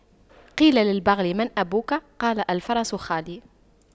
قيل للبغل من أبوك قال الفرس خالي